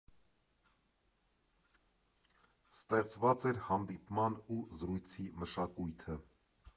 Ստեղծված էր հանդիպման ու զրույցի մշակույթը։